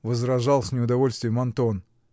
-- возражал с неудовольствием Антон.